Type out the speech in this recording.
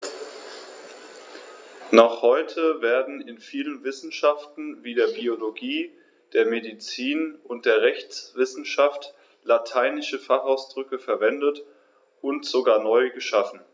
Noch heute werden in vielen Wissenschaften wie der Biologie, der Medizin und der Rechtswissenschaft lateinische Fachausdrücke verwendet und sogar neu geschaffen.